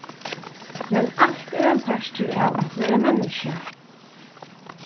men alt er ein partur av at vera menniskja